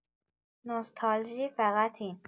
نوستالژی فقط این